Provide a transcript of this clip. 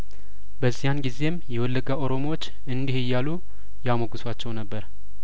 በዚያን ጊዜም የወለጋ ኦሮሞዎች እንዲህ እያሉ ያሞግ ሷቸው ነበር